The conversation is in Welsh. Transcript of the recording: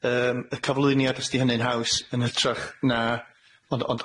yym y cyflwyniad os 'di hynny'n haws yn hytrach na ond ond